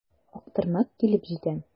Актырнак килеп җитә.